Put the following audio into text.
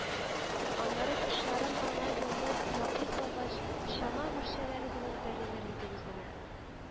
Аннары, кышларын аңа юлны якын салгач, чана үрәчәләре гел бәрелер иде үзенә